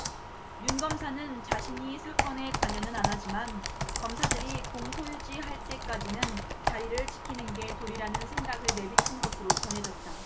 윤 검사는 자신이 사건에 관여는 안하지만 검사들이 공소유지 할 때까지는 자리를 지키는 게 도리라는 생각을 내비친 것으로 전해졌다